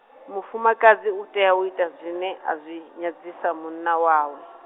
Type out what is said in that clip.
mufumakadzi utea u ita zwine, azwi, nyadzisa munna wawe.